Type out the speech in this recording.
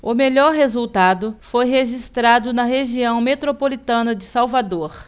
o melhor resultado foi registrado na região metropolitana de salvador